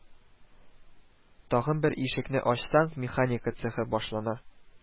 Тагын бер ишекне ачсаң, механика цехы башлана